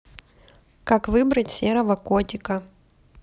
как выбрать серого котика